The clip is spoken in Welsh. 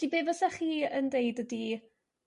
'Lly be' fysach chi yn d'eud ydi